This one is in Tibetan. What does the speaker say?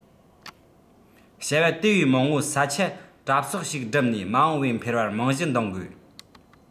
བྱ བ དེ བས མང བོ ས ཆ གྲབས གསོག ཞིག སྒྲུབ ནས མ འོངས བའི འཕེལ བར རྨང གཞི གདིང དགོས